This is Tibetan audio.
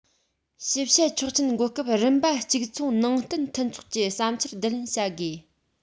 ཞིབ དཔྱད ཆོག མཆན འགོད སྐབས རིམ པ གཅིག མཚུངས ནང བསྟན མཐུན ཚོགས ཀྱི བསམ འཆར བསྡུ ལེན བྱ དགོས